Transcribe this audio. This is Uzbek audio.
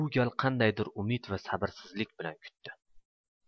bu gal qandaydir umid va sabrsizlik bilan kutdi